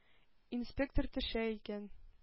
Инспектор төшә икән.